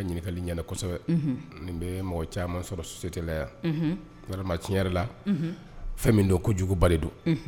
Ɲininkali ɲɛna kɔsɛbɛ. Unhun! Nin bɛ mɔgɔ caaman sɔrɔ société la yan. Unhun! vraiment tiɲɛ yɛrɛ la. Unhun! Fɛn min don, kojuguba de don. Unhun!